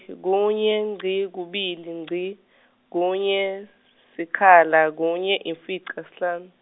si- kunye ngci kubili ngci, kunye, sikhala, kunye, imfica, sihlanu.